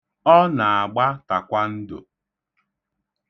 Ọ na-agba takwando.